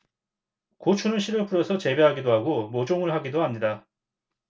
고추는 씨를 뿌려서 재배하기도 하고 모종을 하기도 합니다